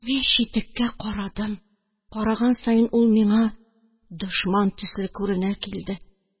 Мин читеккә карадым, караган саен, ул миңа дошман төсле күренә килде